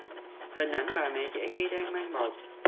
hình ảnh bà mẹ trẻ khi đang mang bầu